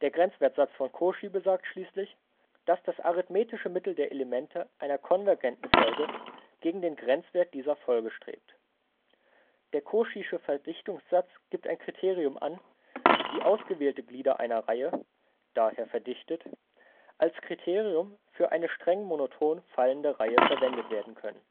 Grenzwertsatz von Cauchy besagt schließlich, dass das arithmetische Mittel der Elemente einer konvergenten Folge gegen den Grenzwert dieser Folge strebt. Der cauchysche Verdichtungssatz gibt ein Kriterium an, wie ausgewählte Glieder einer Reihe (daher verdichtet) als Kriterium für eine streng monoton fallende Reihe verwendet werden können